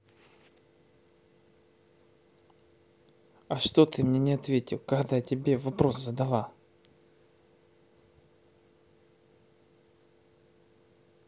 а что ты мне не ответил когда я тебе вопрос задала